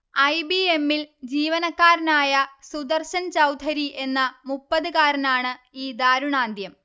I. B. എ. മ്മി ൽ ജീവനക്കാരനായ സുദർശൻ ചൗധരി എന്ന മുപ്പത്കാരനാണ് ഈ ദാരുണാന്ത്യം